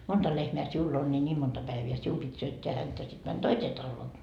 monta lehmää sinulla on niin niin monta päivää sinun piti syöttää häntä sitten meni toiseen taloon